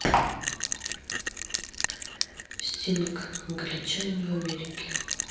стинг англичанин в америке